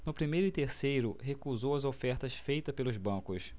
no primeiro e terceiro recusou as ofertas feitas pelos bancos